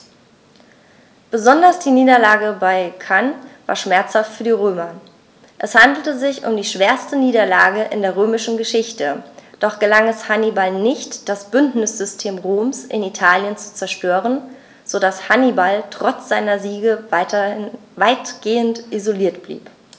Besonders die Niederlage bei Cannae war schmerzhaft für die Römer: Es handelte sich um die schwerste Niederlage in der römischen Geschichte, doch gelang es Hannibal nicht, das Bündnissystem Roms in Italien zu zerstören, sodass Hannibal trotz seiner Siege weitgehend isoliert blieb.